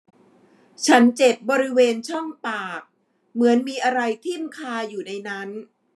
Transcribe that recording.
ฉันเจ็บบริเวณช่องปากเหมือนมีอะไรทิ่มคาอยู่ในนั้น